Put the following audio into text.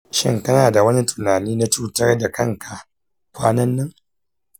shin kana da wani tunani na cutar da kanka kwanan nan?